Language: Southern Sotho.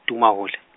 Tumahole.